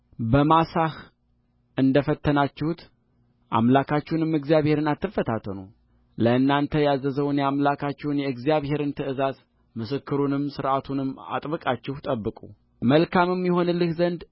በማሳህ እንደ ፈተናችሁት አምላካችሁን እግዚአብሔርን አትፈታተኑትለእናንተ ያዘዘውን የአምላካችሁን የእግዚአብሔርን ትእዛዝ ምስክሩንም ሥርዓቱንም አጥብቃችሁ ጠብቁመልካምም ይሆንልህ ዘንድ